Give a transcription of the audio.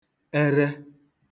ere